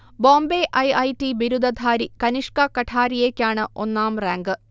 Bombay I. I. T. ബിരുദധാരി കനിഷ്ക കഠാരിയയ്ക്കാണ് ഒന്നാം റാങ്ക്